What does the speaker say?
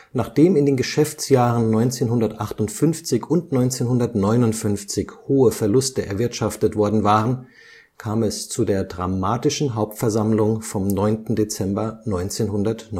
Nachdem in den Geschäftsjahren 1958 und 1959 hohe Verluste erwirtschaftet worden waren, kam es zu der dramatischen Hauptversammlung vom 9. Dezember 1959